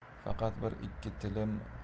faqat bir ikki tilim handalak